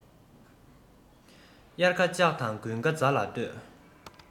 དབྱར ཁ ལྕགས དང དགུན ཁ རྫ ལ ལྟོས